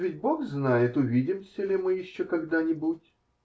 Ведь бог знает, увидимся ли мы еще когда-нибудь.